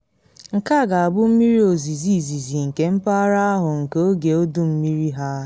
Nke a ga-abụ mmiri ozizi izizi nke mpaghara ahụ nke oge udu mmiri ha.